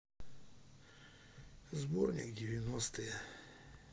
сборник девяностые